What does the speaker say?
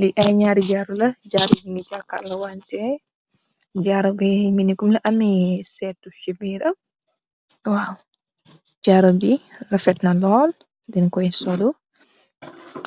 Li ay naari jaaru la jaaru jaaru bi nyugi jacarlu wanteh jaaru bi mogi ameh seetu si birram waw jaaru bi refetna na lool deng koi solu